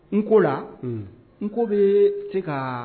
Nko la, un, nko bɛ se ka